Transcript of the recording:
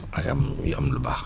ak am yu am yu baax